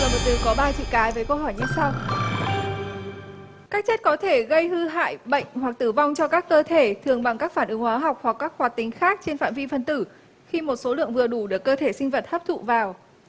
từ có ba chữ cái với câu hỏi như sau các chất có thể gây hư hại bệnh hoặc tử vong cho các cơ thể thường bằng các phản ứng hóa học hoặc các hoạt tính khác trên phạm vi phân tử khi một số lượng vừa đủ để cơ thể sinh vật hấp thụ vào